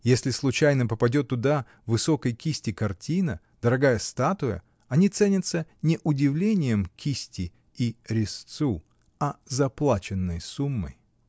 Если случайно попадет туда высокой кисти картина, дорогая статуя — они ценятся не удивлением кисти и резцу, а заплаченной суммой.